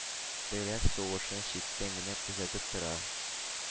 Тегеләр сугышын читтән генә күзәтеп,